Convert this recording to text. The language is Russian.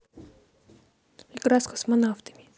игра с космонавтами